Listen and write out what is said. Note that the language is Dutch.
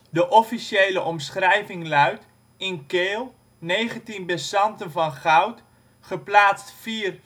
De officiële omschrijving luidt: in keel, 19 besanten van goud, geplaatst 4,4,4,4,3